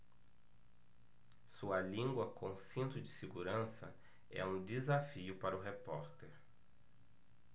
sua língua com cinto de segurança é um desafio para o repórter